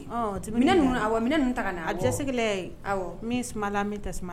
Ninnu a minɛ ninnu ta na a dɛsɛgɛ min la min tɛ suma